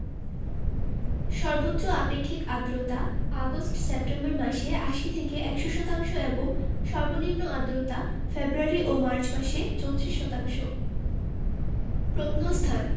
সর্বোচ্চ আপেক্ষিক আর্দ্রতা আগস্ট সেপ্টেম্বর মাসে ৮০ থেকে ১০০ শতাংশ এবং সর্বনিম্ন আর্দ্রতা ফেব্রুয়ারি ও মার্চ মাসে ৩৬ শতাংশ প্রত্নস্থানঃ